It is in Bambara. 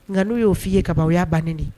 Nka n'u y'o fɔ' ye ka bɔ u y'a bannen